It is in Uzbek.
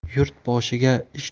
yurt boshiga ish